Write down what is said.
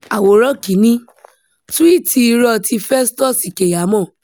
Àwòrán 1: Túwíìtì irọ́ ti Festus Keyamo